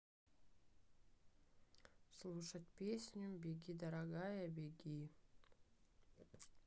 слушать песню беги дорогая беги